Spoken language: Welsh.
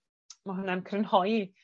ma' hwnna'n crynhoi